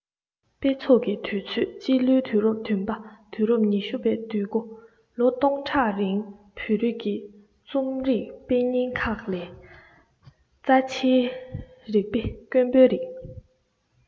དཔེ ཚོགས ཀྱི དུས ཚོད སྤྱི ལོའི དུས རབས བདུན པ དུས རབས ཉི ཤུ བའི དུས མགོ ལོ ངོ སྟོང ཕྲག རིང བོད རིགས ཀྱི རྩོམ རིག དཔེ རྙིང ཁག ལས རྩ ཆེའི རིགས དཔེ དཀོན པོའི རིགས